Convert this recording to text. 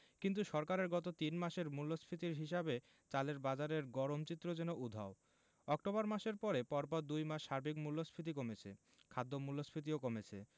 কিন্তু সরকারের গত তিন মাসের মূল্যস্ফীতির হিসাবে চালের বাজারের গরম চিত্র যেন উধাও অক্টোবর মাসের পরে পরপর দুই মাস সার্বিক মূল্যস্ফীতি কমেছে খাদ্য মূল্যস্ফীতিও কমেছে